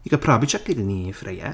Could probably chuck it in the airfryer.